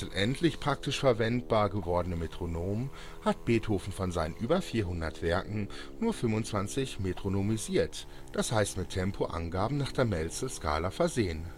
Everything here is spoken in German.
endlich praktisch verwendbar gewordene Metronom hat Beethoven von seinen über 400 Werken nur 25 „ metronomisiert “, d. h. mit Tempoangaben nach der Mälzel-Skala versehen